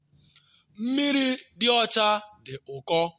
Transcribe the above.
Mmiri dị ọcha dị ụkọ.”